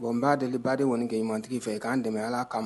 Bon n ba deli baden kɔni gɛ ɲuman tigi fɛ i kan dɛmɛ ala kama.